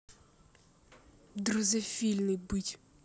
дрозофильный быть